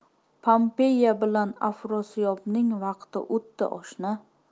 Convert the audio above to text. pompeya bilan afrosiyobning vaqti o'tdi oshna